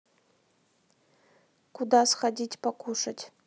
куда сходить покушать